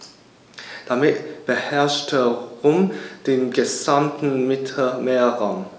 Damit beherrschte Rom den gesamten Mittelmeerraum.